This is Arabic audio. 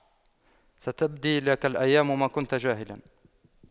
ستبدي لك الأيام ما كنت جاهلا